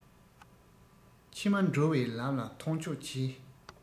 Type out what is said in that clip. ཕྱི མ འགྲོ བའི ལམ ལ ཐོན ཆོག གྱིས